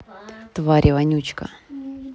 твари вонючка